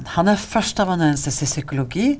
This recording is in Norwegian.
han er førsteamanuensis i psykologi.